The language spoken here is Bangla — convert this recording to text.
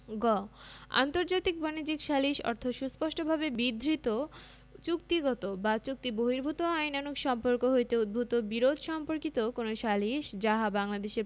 গ আন্তর্জাতিক বাণিজ্যিক সালিস অর্থ সুস্পষ্টভাবে বিধৃত চুক্তিগত বা চুক্তিবহির্ভুত আইনানুগ সম্পর্ক হইতে উদ্ভুত বিরোধ সম্পর্কিত কোন সালিস যাহা বাংলাদেশের